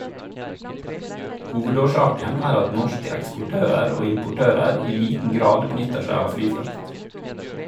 Hovedårsaken er at norske eksportører og importører i liten grad benytter seg av flyfrakt.